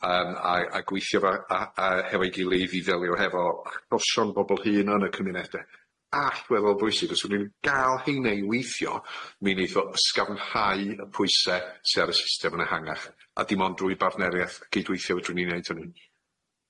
Yym a a gweithio fo a a hefo'i gilydd i ddelio hefo achosion bobol hŷn yn y cymunede allweddol bwysig os wedyn ni'n ga'l heine i weithio mi neith o ysgafnhau y pwyse sy ar y system yn ehangach, a dim ond drwy bartnerieth cydweithio fedrwn ni neud hynny.